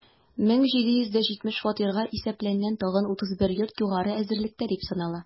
1770 фатирга исәпләнгән тагын 31 йорт югары әзерлектә дип санала.